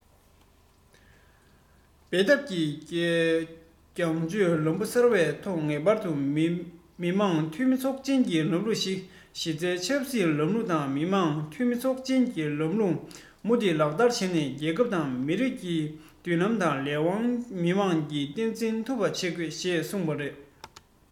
འབད འཐབ ཀྱི རྒྱང སྐྱོད ལམ བུ གསར པའི ཐོག ངེས པར དུ མི དམངས འཐུས མི ཚོགས ཆེན གྱི ལམ ལུགས ཀྱི གཞི རྩའི ཆབ སྲིད ལམ ལུགས ཀྱི མི དམངས འཐུས མི ཚོགས ཆེན གྱི ལམ ལུགས མུ མཐུད ལག བསྟར བྱས ནས རྒྱལ ཁབ དང མི རིགས ཀྱི མདུན ལམ དང ལས དབང མི དམངས ཀྱིས སྟངས འཛིན ཐུབ པ བྱེད དགོས ཞེས གསུངས པ རེད